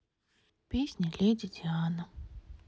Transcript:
песня леди диана